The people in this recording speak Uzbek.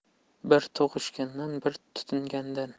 bir tug'ishgandan bir tutingandan